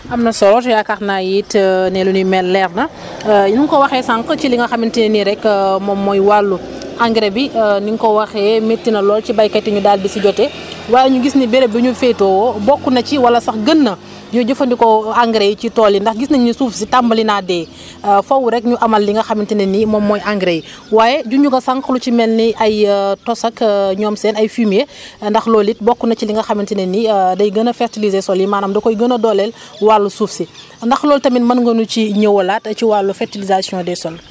am na solo yaakaar naa it ne lu ni mel leer na ni nga ko waxee sànq ci li nga xamante ni rek moom mooy wàllu engrais bi ni nga ko waxee métti na lool ci béykat yi ñu daal di ci jote waaye ñu gis ni béréb bi ñu féetewoo bokk na ci wala sax gën na ñu jëfandikoo engrais yi ci tool yi ndax gis nañu ni suuf si tambali naa dee faww rek ñu amal li nga xamante ne ni moom mooy engrais yi waaye junj nga sànq lu ci mel ni ay tos ak ñoom seen ay fumier ndax loolu it bokk na ci li nga xamante ne ni day gën a fertiliser sol yi maanaam da koy gën a dooleel wàllu suuf si ndax loolu tamit mën nga ñu si ñëwalaat ci wàllu fertilisation des sols